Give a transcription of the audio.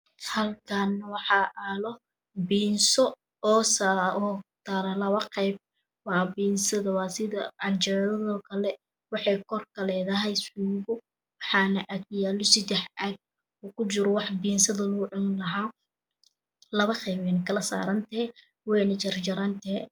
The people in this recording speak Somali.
Halkan wax yaalo bidso tallolaboqeb wabidsada wasidcanjeradokale waxeykor kaledahay sugo waxan agyaalo sidax caag kujira wax bidsada lagucunilahaa Laboqeybeykalasarantahay weyna jarjarantahay